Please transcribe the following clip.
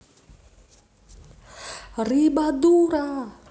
рыба дура